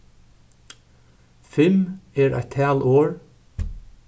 fimm er eitt talorð